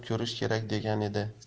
ko'rish kerak degan edi